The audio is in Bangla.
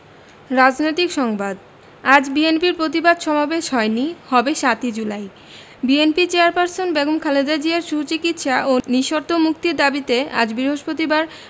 রাজনৈতিক সংবাদ আজ বিএনপির প্রতিবাদ সমাবেশ হয়নি হবে ৭ ই July BNP chairperson Begum Khaleda জিয়ার সুচিকিৎসা এবং নিঃশর্ত মুক্তির দাবিতে আজ বৃহস্পতিবার